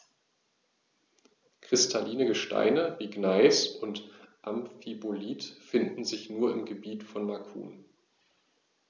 Kristalline Gesteine wie Gneis oder Amphibolit finden sich nur im Gebiet von Macun.